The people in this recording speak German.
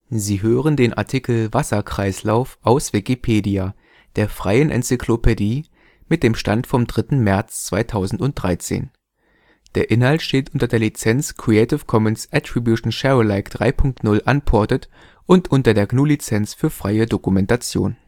Sie hören den Artikel Wasserkreislauf, aus Wikipedia, der freien Enzyklopädie. Mit dem Stand vom Der Inhalt steht unter der Lizenz Creative Commons Attribution Share Alike 3 Punkt 0 Unported und unter der GNU Lizenz für freie Dokumentation